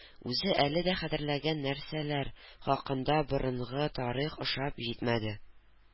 Үзе әле дә хәтерләгән нәрсәләр хакында борынгы тарих ошап җитмәде